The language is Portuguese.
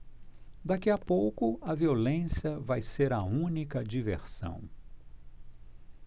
daqui a pouco a violência vai ser a única diversão